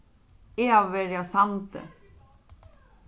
eg havi verið á sandi